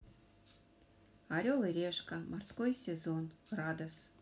орел и решка морской сезон родос